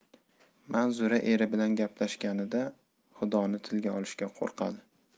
manzura eri bilan gaplashganida xudoni tilga olishga qo'rqadi